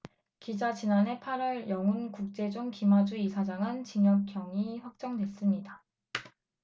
기자 지난해 팔 월 영훈국제중 김하주 이사장은 징역형이 확정됐습니다